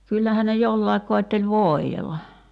kyllähän ne jollakin koetteli voidella